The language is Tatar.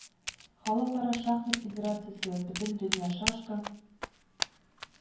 Халыкара шахмат федерациясе, Бөтендөнья шашка